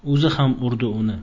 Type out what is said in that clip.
o'zi ham urdi uni